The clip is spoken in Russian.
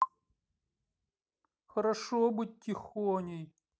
хорошо быть тихоней